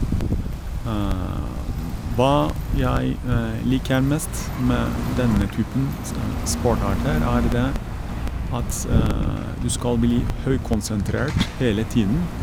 Hva jeg liker mest med denne typen s sportarter, er det at du skal bli høykonsentrert hele tiden.